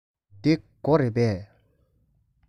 འདི སྒོ རེད པས